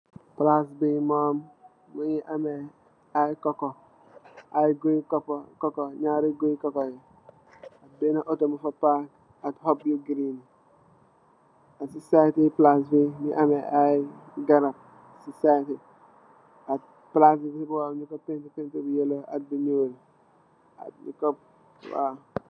Palaas bi mom, mu ngi amee ay kokko, ay guy kokko, ñarri guy kokko, beenë Otto muñg fa paak, ak xob yu giriin, si saayiti palaas bi, mu ngi amee, ay garab si saayiti, ak palaas yi si boopam, ñung ko peentir peentir bu yeloo.